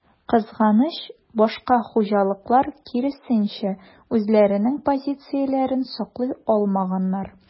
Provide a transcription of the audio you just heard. Кызганыч, башка хуҗалыклар, киресенчә, үзләренең позицияләрен саклый алмаганнар.